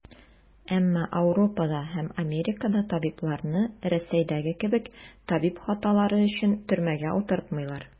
Әмма Ауропада һәм Америкада табибларны, Рәсәйдәге кебек, табиб хаталары өчен төрмәгә утыртмыйлар.